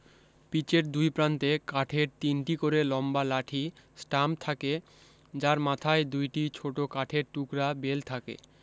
পীচের দুই প্রান্তে কাঠের তিনটি করে লম্বা লাঠি স্টাম্প থাকে যার মাথায় দুইটি ছোট কাঠের টুকরা বেল থাকে